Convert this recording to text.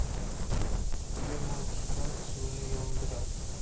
ilm u hikmat suvni yondirar